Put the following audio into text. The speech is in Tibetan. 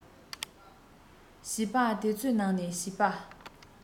བྱིས པ དེ ཚོའི ནང ནས བྱིས པ